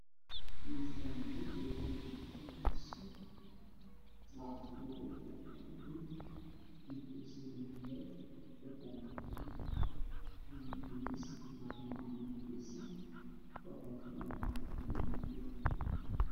Waa masaajid waxaa jooga dad farabadan oo haystaan warqado waxay wataan dhar khamiisyo jaalle ah shaati cadaan